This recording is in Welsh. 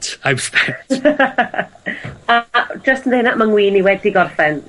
...I'm spent. A a jyst yn ddeud ma' ma'n ngwin i wedi gorffen.